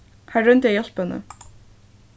hann royndi at hjálpa henni